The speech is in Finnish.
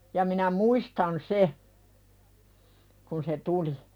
ja minä muistan sen kun se tuli